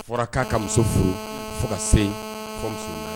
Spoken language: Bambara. Fɔra k'a ka muso furu fo ka se yen fɔ muso